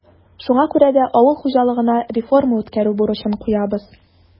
Шуңа күрә дә авыл хуҗалыгына реформа үткәрү бурычын куябыз.